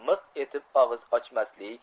miq etib og'iz ochmaslik